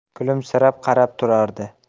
kulimsirab qarab turardi